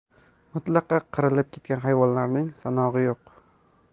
mutlaqo qirilib ketgan hayvonlarning sanog'i yo'q